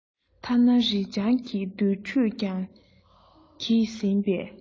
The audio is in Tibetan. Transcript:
ཐ ན རི སྤྱང གི འདུར འགྲོས ཀྱང གྱེས ཟིན པས